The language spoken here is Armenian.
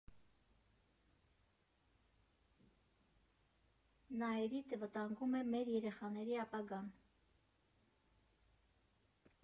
Նաիրիտը վտանգում է մեր երեխաների ապագան։